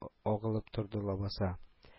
А агылып торды лабаса